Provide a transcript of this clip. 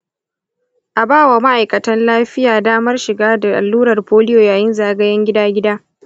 a ba wa ma’aikatan lafiya damar shigar da allurar polio yayin zagayen gida-gida.